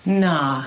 Na.